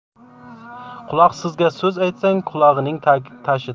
quloqsizga so'z aytsang qulog'ining tashidan